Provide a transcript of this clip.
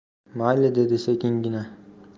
mayli dedi sekingina